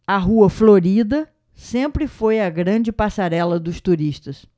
a rua florida sempre foi a grande passarela dos turistas